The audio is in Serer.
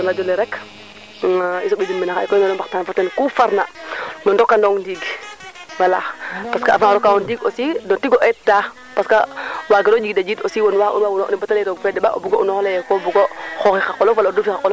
ke i somb na meen to ngaƴkan meen oxu anaye woxey meen maxey sim nang no gonof fo no simangolof mi Waly Sagne o Diarekh Daba Ngom